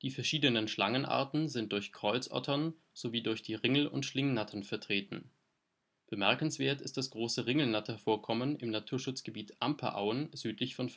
verschiedenen Schlangenarten sind durch Kreuzottern sowie durch die Ringel - und Schlingnattern vertreten. Bemerkenswert ist das große Ringelnatter-Vorkommen im Naturschutzgebiet Amperauen südlich von